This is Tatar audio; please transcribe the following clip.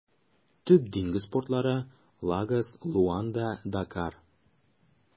Төп диңгез портлары - Лагос, Луанда, Дакар (картаны карагыз).